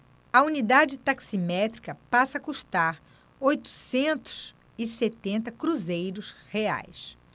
a unidade taximétrica passa a custar oitocentos e setenta cruzeiros reais